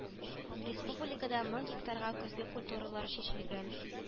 Республикада мең гектарга көзге культуралар чәчелгән